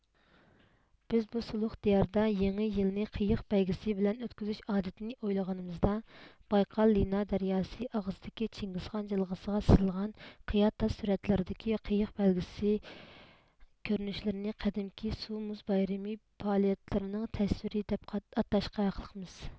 بىز بۇ سۇلۇق دىياردا يېڭى يىلنى قېيىق بەيگىسى بىلەن ئۆتكۈزۈش ئادىتىنى ئويلىغىنىمىزدا بايقال لىنا دەرياسى ئاغزىدىكى چىڭگىزخان جىلغىسىغا سىزىلغان قىيا تاش سۈرەتلىرىدىكى قېيىق بەيگىسى كۆرۈنۈشلىرىنى قەدىمكى سۇ مۇز بايرىمى پائالىيەتلىرىنىڭ تەسۋىرى دەپ ئاتاشقا ھەقلىقمىز